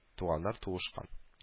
Туганнар туышкан